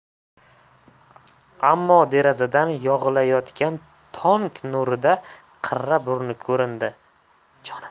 ammo derazadan yog'ilayotgan tong nurida qirra burni ko'rindi